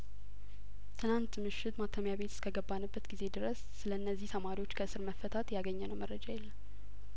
ትናንት ምሽት ማተሚያ ቤት እስከገባንበት ጊዜ ድረስ ስለእነዚህ ተማሪዎች ከእስር መፈታት ያገኘነው መረጃ የለም